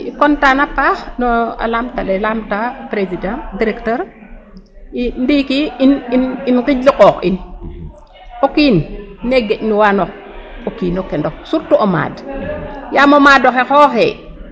I content na paax no laamit ale laamta président directeur i ndiiki i nqijlu qoox in o kiin ne geenuwa no kiin o kendof surtout o maad yaam o maad o xe xooxee.